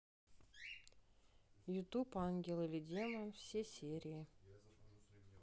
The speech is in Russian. ютуб ангел или демон все серии